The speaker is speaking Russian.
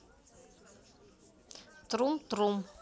трум трум